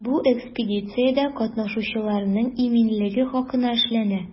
Бу экспедициядә катнашучыларның иминлеге хакына эшләнә.